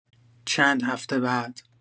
چند هفته بعد